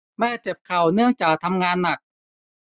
แม่เจ็บเข่าเนื่องจากทำงานหนัก